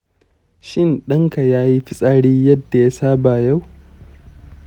shin ɗanka ya yi fitsari yadda ya saba yau?